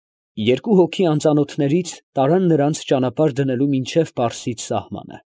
Երկու հոգի անծանոթներից տարան նրանց ճանապարհ դնելու մինչև պարսից սահմանը։